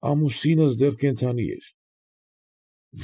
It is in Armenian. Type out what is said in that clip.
Ամուսինս դեռ կենդանի էր։